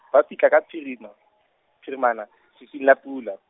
ba fihla ka phirima, phirimana fifing la pula.